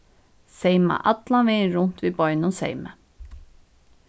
seyma allan vegin runt við beinum seymi